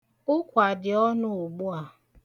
Ụkwa dị ọnụ ugbu a.